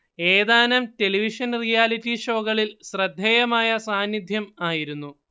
ഏതാനും television‍ reality ഷോകളിൽ ശ്രദ്ധേയമായ സാന്നിദ്ധ്യം ആയിരുന്നു